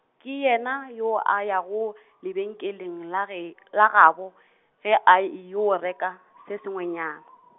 ke yena yoo a yago , lebenkeleng la ge , la gabo, ge a yeo reka se sengwenyana.